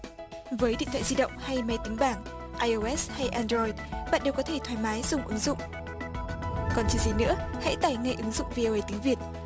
với điện thoại di động hay máy tính bảng ai ô ét hay an roi bạn đều có thể thoải mái dùng ứng dụng còn chờ gì nữa hãy tải ngay ứng dụng vi o ây tiếng việt